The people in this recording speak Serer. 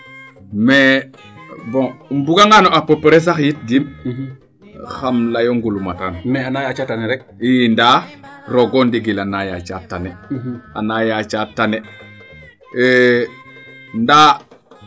mais bon im bug ngano a peu prés yit Djiby xam ley o ngulma taan nda ana yaaca tane rek i ndaa rooga ndigil ana yaaca tane ana yaaca tane ndaa